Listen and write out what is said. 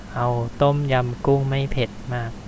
เอาต้มยำกุ้งไม่เผ็ดมาก